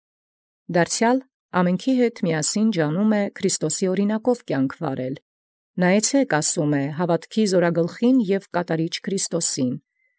Դարձեալ փութայ ամենեքումբք հանդերձ ըստ Քրիստոսի հետոցն վարել. «Հայեցարո՛ւք, ասէ, ի զաւրագլուխն հաւատոց, և ի կատարիչն Քրիստոսե։